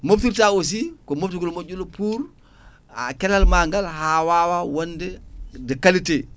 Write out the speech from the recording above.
moftirta aussi ko moftugol moƴƴol pour a kenal ma ngal ha wawa wonde de qualité